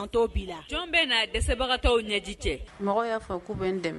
Jɔn bɛɛ na dɛsɛbagatɔw ɲɛji cɛ mɔgɔ y'a fɔ ko bɛ n dɛmɛ